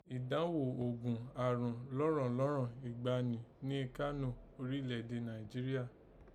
Ìdánghò oògùn àrùn lọ́rọ̀nlọ́rọ̀n ìgbàanì ni Kánò, orílẹ̀ èdè Nàìjíríà